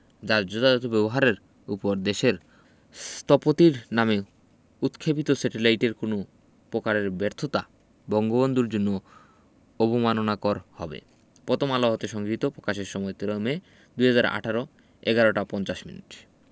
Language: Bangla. যার যথাযথ ব্যবহারের ওপর দেশের স্থপতির নামে উৎক্ষেপিত স্যাটেলাইটের কুনু পকারের ব্যর্থতা বঙ্গবন্ধুর জন্য অবমাননাকর হবে পথম আলো হতে সংগৃহীত পকাশের সময় ১৩ মে ২০১৮ ১১ টা ৫০ মিনিট